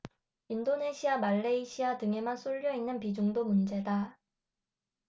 인도네시아 말레이시아 등에만 쏠려 있는 비중도 문제다